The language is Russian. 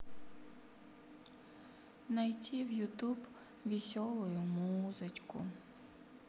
найти в ютюб веселую музычку